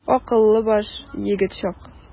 Акыллы баш, егет чак.